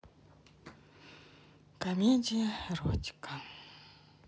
комедия эротика